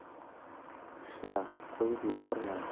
ushla qo'yib yuborma